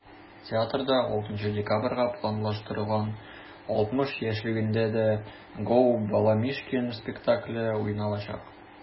Театрда 6 декабрьгә планлаштырылган 60 яшьлегендә дә “Gо!Баламишкин" спектакле уйналачак.